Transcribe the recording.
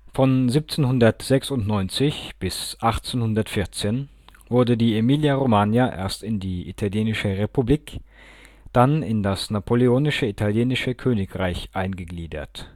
Von 1796 bis 1814 wurde die Emilia-Romagna erst in die italienische Republik, dann in das napoleonische italienische Königreich eingegliedert